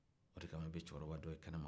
o de kama dɔ ye kɛnɛma